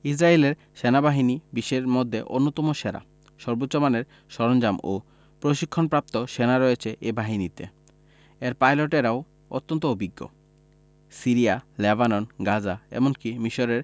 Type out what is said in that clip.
ইসরায়েলের সেনাবাহিনী বিশ্বের মধ্যে অন্যতম সেরা সর্বোচ্চ মানের সরঞ্জাম ও প্রশিক্ষণপ্রাপ্ত সেনা রয়েছে এ বাহিনীতে এর পাইলটেরাও অত্যন্ত অভিজ্ঞ সিরিয়া লেবানন গাজা এমনকি মিসরের